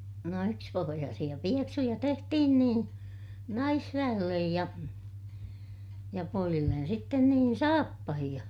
no yksipohjaisia pieksuja tehtiin niin naisväelle ja ja pojille sitten niin saappaita